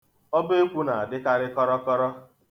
Ọbaekwu na-adịkarị kọrọkọrọ.